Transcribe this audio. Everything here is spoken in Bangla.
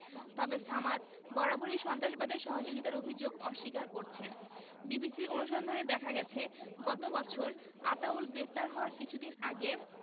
তবে সামাদ বারবারই সন্ত্রাসবাদে সহযোগিতার অভিযোগ অস্বীকার করছেন বিবিসির অনুসন্ধানে দেখা গেছে গত বছর আতাউল গ্রেপ্তার হওয়ার কিছুদিন আগে